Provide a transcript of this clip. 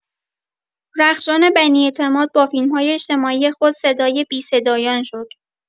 رخشان بنی‌اعتماد با فیلم‌های اجتماعی خود صدای بی‌صدایان شد.